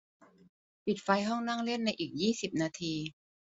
ปิดไฟห้องนั่งเล่นในอีกยี่สิบนาที